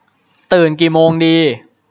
ตื่นกี่โมงดี